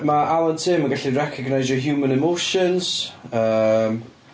Ma' Alan Tim yn gallu recognisio human emotions, yym...